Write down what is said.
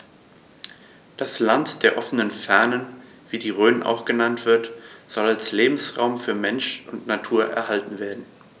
Das „Land der offenen Fernen“, wie die Rhön auch genannt wird, soll als Lebensraum für Mensch und Natur erhalten werden.